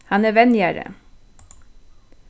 hann er venjari